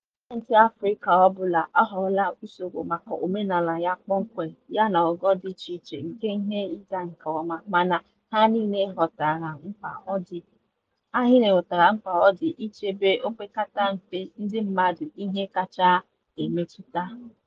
Gọọmenti Afrịka ọbụla ahọrọla usoro maka omenala ya kpọmkwem, ya na ogo dị icheiche nke ihe ịga nke ọma, mana ha niile ghọtara mkpa ọ dị ichebe opekata mpe ndị mmadụ ihe kacha emetụta.